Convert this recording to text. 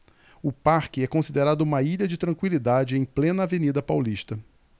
o parque é considerado uma ilha de tranquilidade em plena avenida paulista